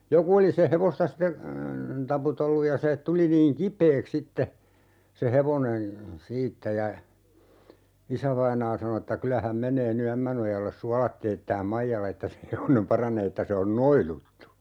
joku oli sen hevosta sitten taputellut ja se tuli niin kipeäksi sitten se hevonen siitä ja isävainaa sanoi että kyllä hän menee nyt Ämmänojalle suolat teettämään Maijalla että se hevonen paranee että se on noiduttu